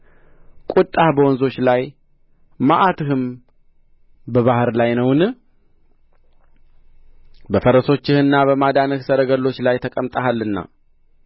ቍጣህ በወንዞች ላይ መዓትህም በባሕር ላይ ነውን በፈረሶችህና በማዳንህ ሰረገሎች ላይ ተቀምጠሃልና